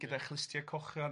gyda chlystiau cochion